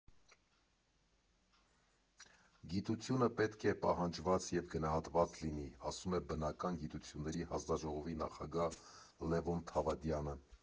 Գիտությունը պետք է պահանջված և գնահատված լինի, ֊ ասում է բնական գիտությունների հանձնաժողովի նախագահ Լևոն Թավադյանը։